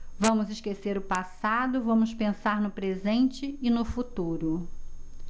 vamos esquecer o passado vamos pensar no presente e no futuro